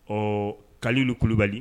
Ɔɔ, Kalilu kulubali